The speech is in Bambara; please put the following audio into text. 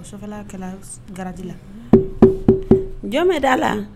Kɛlɛ gariji la jɔn bɛ da a la